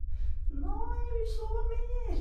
Nei, jeg vil sove mer.